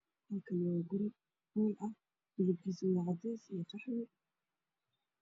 Waa guri hool ah midabkiisuna yahy qaxwi iyo cadays